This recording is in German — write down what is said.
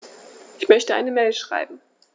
Ich möchte eine Mail schreiben.